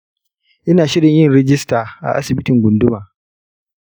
ina shirin yin rajista a asibitin gunduma.